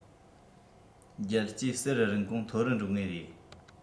རྒྱལ སྤྱིའི གསེར རིན གོང མཐོ རུ འགྲོ ངེས རེད